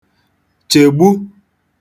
chègbu